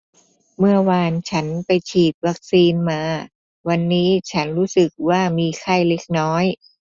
เมื่อวานฉันไปฉีดวัคซีนมาวันนี้ฉันรู้สึกว่ามีไข้เล็กน้อย